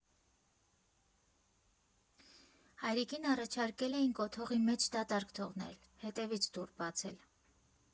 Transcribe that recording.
Հայրիկին առաջարկել էին կոթողի մեջ դատարկ թողնել, հետևից դուռ բացել։